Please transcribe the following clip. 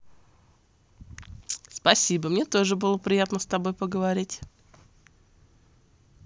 спасибо мне тоже было приятно с тобой поговорить